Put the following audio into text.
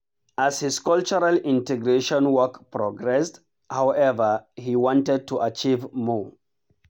As his cultural integration work progressed, however, he wanted to achieve more.